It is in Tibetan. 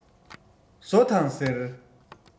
ཟོ དང ཟེར